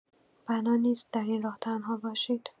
بنا نیست در این راه تنها باشید.